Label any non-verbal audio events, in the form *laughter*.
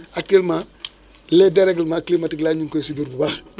actuellement *noise* les dérèglements climatiques là ñu ngi koy subir bu baax